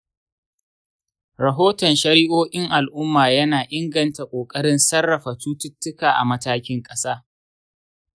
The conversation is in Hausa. rahoton shari’o’in al’umma yana inganta ƙoƙarin sarrafa cututtuka a matakin ƙasa.